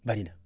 bari na